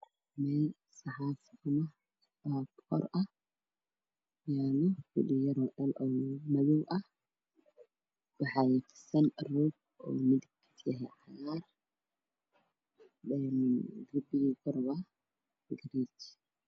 Waa barxad dhulka waxaa yaalo rog cagaar ka waana maqaayad waxaa ka dambeeyo dabaq dheer iyo guryo kale